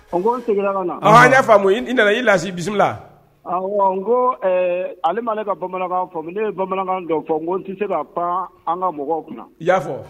Ka na y'a faamumu i nana y'i la bisimila la n ko ale m'ale ka bamanankan ne ye bamanankan kokisɛ se ka pan an ka mɔgɔw kunna i y'a fɔ